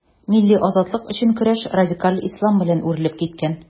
Милли азатлык өчен көрәш радикаль ислам белән үрелеп киткән.